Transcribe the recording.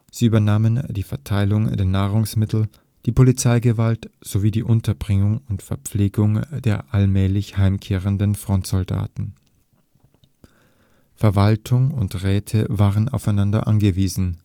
Sie übernahmen die Verteilung der Nahrungsmittel, die Polizeigewalt sowie die Unterbringung und Verpflegung der allmählich heimkehrenden Frontsoldaten. Verwaltung und Räte waren aufeinander angewiesen